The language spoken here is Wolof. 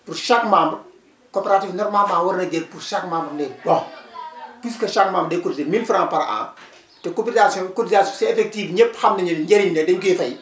pour chaque membre coopérative bi normalement war na jël pour chaque membre les bons puisque chaque memebre day cotisé 1000F par an te cotisation cotisation c' est effective ñëpp xam nañu ne njëriñ la dañ koy fay